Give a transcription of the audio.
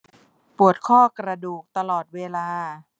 ปวดข้อกระดูกตลอดเวลา